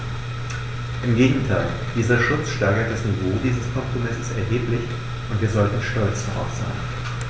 Im Gegenteil: Dieser Schutz steigert das Niveau dieses Kompromisses erheblich, und wir sollten stolz darauf sein.